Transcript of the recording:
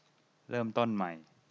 เริ่มต้นใหม่